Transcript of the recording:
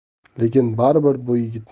lekin bari bir bu